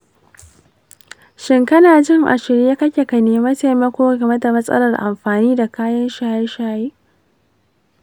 shin kana jin a shirye kake ka nemi taimako game da matsalar amfani da kayan shaye-shaye?